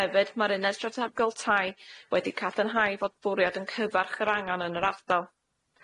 Hefyd ma'r uned strategol tai wedi cadarnhau fod bwriad yn cyfarch yr angan yn yr ardal.